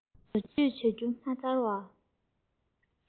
བཟོ བཅོས བྱ རྒྱུ མ ཚར བ